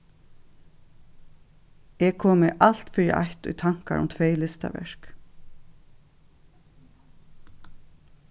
eg komi alt fyri eitt í tankar um tvey listaverk